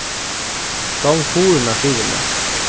stong hurðina fyri meg